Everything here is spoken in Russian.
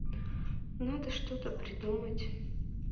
надо что то придумать